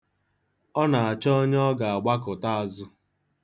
Ọ na-achọ onye ọ ga-agbakụta azụ.